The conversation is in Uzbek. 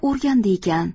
o'rgandi ekan